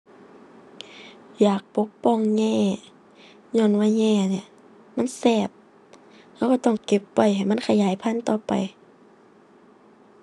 อยากปกป้องแย้ ญ้อนว่าแย้เนี่ย มันแซ่บ เราเราต้องเก็บไว้ให้มันขยายพันธุ์ต่อไป